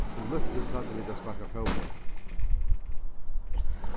sum lítlir plagdu vit at sparka fótbólt